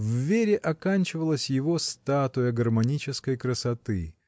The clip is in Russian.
В Вере оканчивалась его статуя гармонической красоты.